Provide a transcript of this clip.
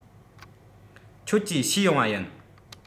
ཁྱོད ཀྱིས བཤུས ཡོང བ ཡིན